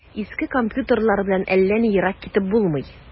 Иске компьютерлар белән әллә ни ерак китеп булмый.